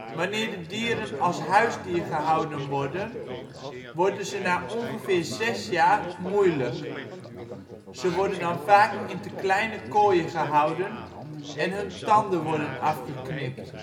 Wanneer de dieren als " huisdier " gehouden worden, worden ze na ongeveer zes jaar " moeilijk ". Ze worden dan vaak in te kleine kooien gehouden en hun tanden worden afgeknipt